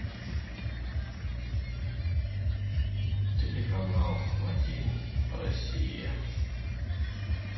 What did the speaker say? телеканал один россия